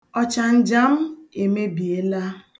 Ọchanja m emebiela.